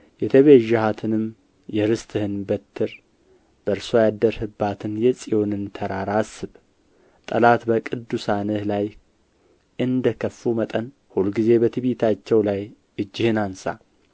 የተቤዤሃትንም የርስትህን በትር በእርስዋ ያደርህባትን የጽዮንን ተራራ አስብ ጠላት በቅዱሳንህ ላይ እንደ ከፋ መጠን ሁልጊዜም በትዕቢታቸው ላይ እጅህን አንሣ